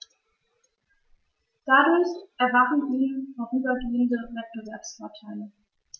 Dadurch erwachsen ihnen vorübergehend Wettbewerbsvorteile.